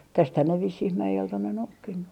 tästähän ne vissiin mäeltä on ne noukkinut